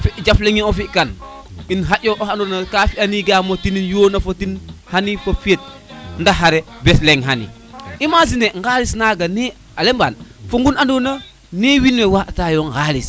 fi jal leŋ ne o fi kan in xaƴa xe ando nayega fiya ni gaam o ten im yoni fo ten xani fo feet ndax xare bes leŋ xani imaginer i ŋalis naga ne ale mbaan o ŋun ando na ne wwin we mbaaɗ tayo ŋalis